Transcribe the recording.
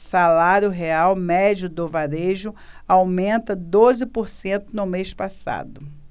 salário real médio do varejo aumenta doze por cento no mês passado